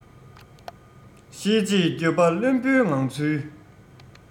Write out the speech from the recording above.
ཤེས རྗེས འགྱོད པ བླུན པོའི ངང ཚུལ